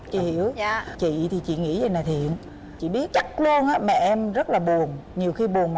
chị hiểu chị thì chị nghĩ vậy này thiện chỉ biết chắc luôn mẹ em rất là buồn nhiều khi buồn